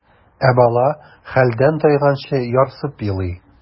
Ә бала хәлдән тайганчы ярсып елый.